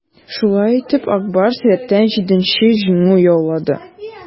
Шулай итеп, "Ак Барс" рәттән җиденче җиңү яулады.